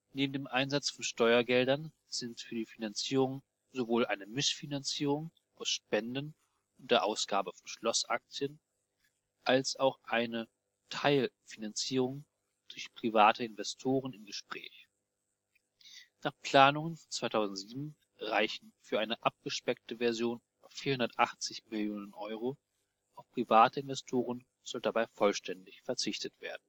Neben dem Einsatz von Steuergeldern sind für die Finanzierung sowohl eine Mischfinanzierung aus Spenden und der Ausgabe von Schlossaktien als auch eine (Teil -) Finanzierung durch private Investoren im Gespräch. Nach Planungen von 2007 reichen für eine abgespeckte Version 480 Millionen Euro, auf private Investoren soll dabei vollständig verzichtet werden